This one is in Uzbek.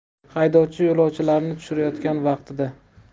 haydovchi yo'lovchilarni tushirayotgan vaqtida